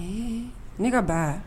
Ee ne ka ba